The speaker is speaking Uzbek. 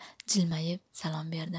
jilmayib salom berdi